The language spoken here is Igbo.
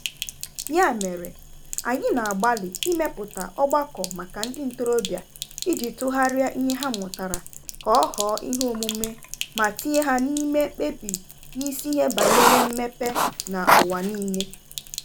Ya mere, anyị na-agbalị imepụta ọgbakọ maka ndị ntorobịa iji tụgharịa ihe ha mụtara ka ọ ghọ ihe omume ma tinye ha n'ime mkpebi n'isi ihe banyere mmepe na ụwa niile.